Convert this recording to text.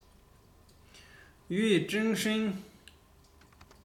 ཡུས ཀྲེང ཧྲེང